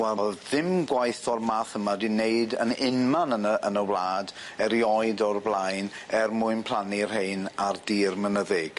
Wel o'dd dim gwaith o'r math yma 'di neud yn unman yn y yn y wlad erioed o'r blaen er mwyn plannu rhein ar dir mynyddig.